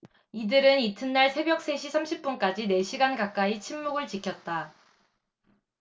이들은 이튿날 새벽 세 시 삼십 분까지 네 시간 가까이 침묵을 지켰다